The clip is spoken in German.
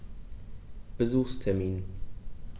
Besuchstermin